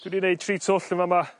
dwi 'di neud tri twll yn fa' 'ma